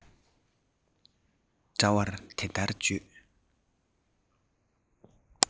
འདྲ བར འདི འདྲ བརྗོད